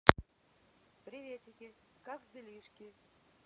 приветики как делишки